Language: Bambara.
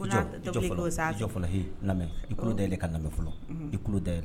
I dalen ka lamɛn fɔlɔ i da